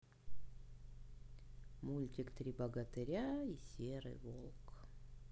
мультик три богатыря и серый волк